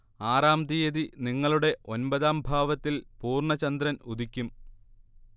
ആറാം തീയതി നിങ്ങളുടെ ഒൻപതാം ഭാവത്തിൽ പൂർണ്ണ ചന്ദ്രൻ ഉദിക്കും